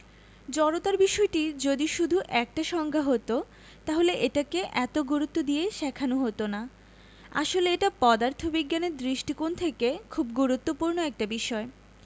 জড়তার বিষয়টি যদি শুধু একটা সংজ্ঞা হতো তাহলে এটাকে এত গুরুত্ব দিয়ে শেখানো হতো না আসলে এটা পদার্থবিজ্ঞানের দৃষ্টিকোণ থেকে খুব গুরুত্বপূর্ণ একটা বিষয়